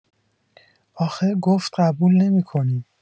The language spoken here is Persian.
آخه گفت قبول نمی‌کنیم